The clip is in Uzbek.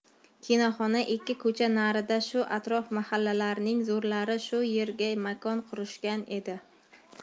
kinoxona ikki ko'cha narida shu atrof mahallalarining zo'rlari shu yerga makon qurishgan edi